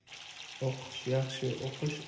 o'qish yaxshi uqish